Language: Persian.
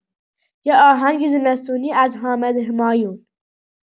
یه آهنگ زمستونی از حامد همایون